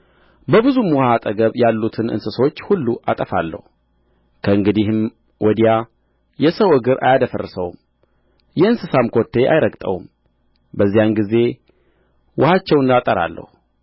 በብዙም ውኃ አጠገብ ያሉትን እንስሶች ሁሉ አጠፋለሁ ከእንግዲህም ወዲያ የሰው እግር አያደፈርሰውም የእንስሳም ኮቴ አይረግጠውም በዚያን ጊዜ ውኃቸውን አጠራለሁ